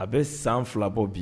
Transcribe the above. A bɛ san fila bɔ bi